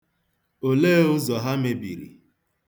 Olee ụzọ ha mebiri?